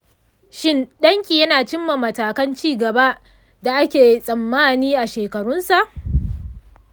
shin ɗan ki yana cimma matakan cigaba da ake tsammani a shekarunsa?